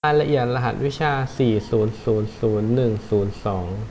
รายละเอียดรหัสวิชาสี่ศูนย์ศูนย์ศูนย์หนึ่งศูนย์สอง